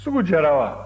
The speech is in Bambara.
sugu diyara wa